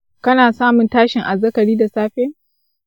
kana samun tashin azzakari da safe?